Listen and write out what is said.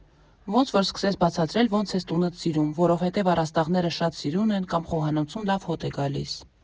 Ոնց որ սկսես բացատրել՝ ոնց ես տունդ սիրում, որովհետև առաստաղները շատ սիրուն են կամ խոհանոցում լավ հոտ է գալիս։